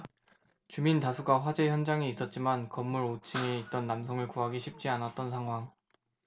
주민 다수가 화재 현장에 있었지만 건물 오 층에 있던 남성을 구하기 쉽지 않았던 상황